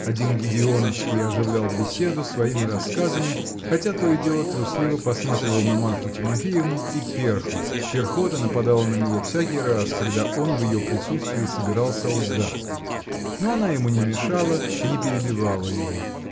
Один Гедеоновский оживлял беседу своими рассказами, хотя то и дело трусливо посматривал на Марфу Тимофеевну и перхал, -- перхота нападала на него всякий раз, когда он в ее присутствии собирался лгать, -- но она ему не мешала, не перебивала его.